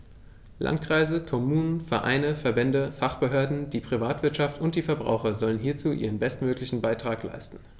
Landkreise, Kommunen, Vereine, Verbände, Fachbehörden, die Privatwirtschaft und die Verbraucher sollen hierzu ihren bestmöglichen Beitrag leisten.